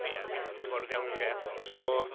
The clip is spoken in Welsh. Fi, ie fi'n gyfarwydd iawn gydag e, so...